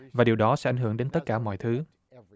và điều đó sẽ ảnh hưởng đến tất cả mọi thứ